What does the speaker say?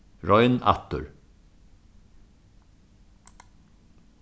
royn aftur